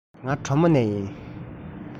ང གྲོ མོ ནས ཡིན